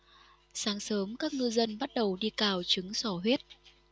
sáng sớm các ngư dân bắt đầu đi cào trứng sò huyết